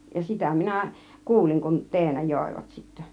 ja sitä minä kuulin kun teenä joivat sitten